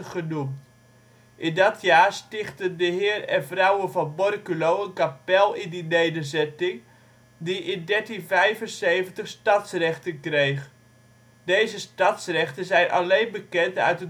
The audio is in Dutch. genoemd. In dat jaar stichten de heer en vrouwe van Borculo een kapel in die nederzetting, die in 1375 stadsrechten kreeg. Deze stadsrechten zijn alleen bekend uit